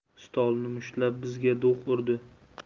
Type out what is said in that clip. stolni mushtlab bizga do'q urdi